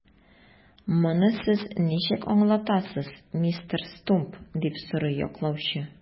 Моны сез ничек аңлатасыз, мистер Стумп? - дип сорый яклаучы.